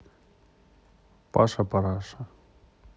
паша параша